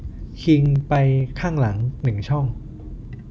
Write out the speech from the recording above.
คิงไปข้างหลังหนึ่งช่อง